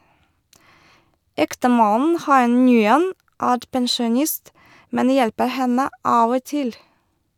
Ektemannen Hai Nguyen er pensjonist, men hjelper henne av og til.